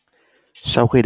sau khi